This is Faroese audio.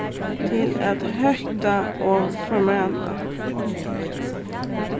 til at hótta og formana